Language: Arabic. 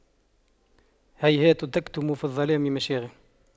هيهات تكتم في الظلام مشاعل